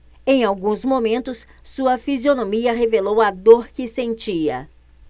em alguns momentos sua fisionomia revelou a dor que sentia